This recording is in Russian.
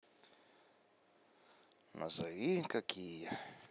назови какие